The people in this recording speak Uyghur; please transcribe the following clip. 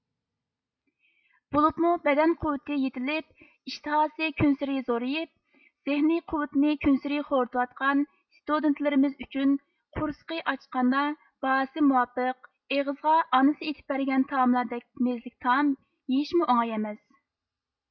بولۇپمۇ بەدەن قۇۋۋىتى يېتىلىپ ئىشتىھاسى كۈنسېرى زورىيىپ زېھنىي قۇۋۋىتىنى كۈنسېرى خورىتىۋاتقان ستۇدېنتلىرىمىز ئۈچۈن قورسىقى ئاچقاندا باھاسى مۇۋاپىق ئېغىزىغا ئانىسى ئېتىپ بەرگەن تائاملاردەك مېززىلىك تائام يېيىشمۇ ئوڭاي ئەمەس